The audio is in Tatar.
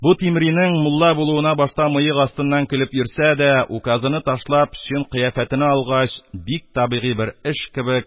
Бу Тимринең, мулла булуына башта мыек астыннан көлеп йөрсә дә, указыны ташлап, чын кыяфәтене алгач, бик табигый бер эш кеби: